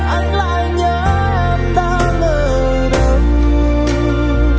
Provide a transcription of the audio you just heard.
anh lại nhớ em đang ở đâu